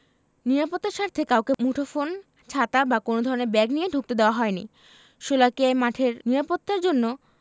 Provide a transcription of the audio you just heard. নিরাপত্তার স্বার্থে কাউকে মুঠোফোন ছাতা বা কোনো ধরনের ব্যাগ নিয়ে ঢুকতে দেওয়া হয়নি শোলাকিয়া মাঠের নিরাপত্তার জন্য